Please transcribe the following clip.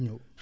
ñëw